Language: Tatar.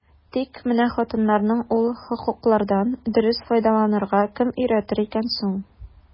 Тик менә хатыннарны ул хокуклардан дөрес файдаланырга кем өйрәтер икән соң?